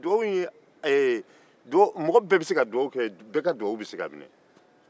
mɔgɔ bɛɛ bɛ se ka dugawu kɛ bɛɛ ka dugawu bɛ se ka minɛ